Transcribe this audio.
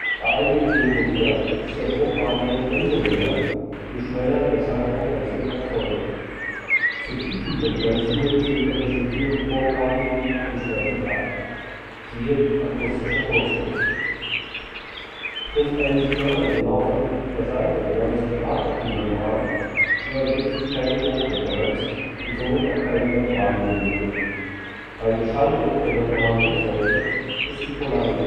gegebenem Δt ist der Druckgradient umso höher, je schneller der Schalldruckwechsel erfolgt. Zu tiefen Frequenzen hin sinkt der resultierende Druckgradient Δp entsprechend ab. Siehe: akustischer Kurzschluss. Trifft ein Signal genau von der Seite (90°) auf die Membran, so ergibt sich keine Druckdifferenz und somit auch keine Membranbewegung. Bei Beschallung der Membranrückseite ist die Polarität